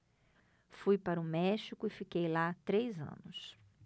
fui para o méxico e fiquei lá três anos